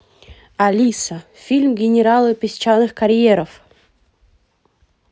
алиса фильм генералы песчаных карьеров